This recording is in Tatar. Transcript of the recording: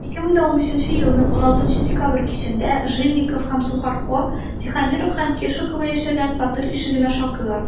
2015 елның 16 декабрь кичендә жильников һәм сухарко тихомиров һәм кешикова яшәгән фатир ишегенә шакыйлар.